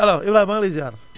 lors Ibrahima maa ngi lay ziar